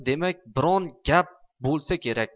demak biron pap bo'lsa kerak